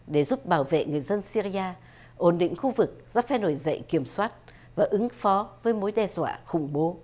để giúp bảo vệ người dân sy r ia ổn định khu vực do phe nổi dậy kiểm soát và ứng phó với mối đe dọa khủng bố